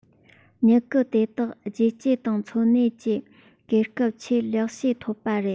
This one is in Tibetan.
མྱུ གུ དེ དག རྒྱས སྐྱེ དང འཚོ གནས ཀྱི གོས སྐབས ཆེས ལེགས ཤོས ཐོབ པ རེད